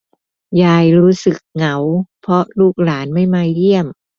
ยายรู้สึกเหงาเพราะลูกหลานไม่มาเยี่ยม